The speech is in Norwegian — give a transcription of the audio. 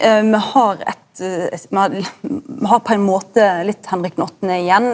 me har eitt me har på ein måte litt Henrik den åttande igjen.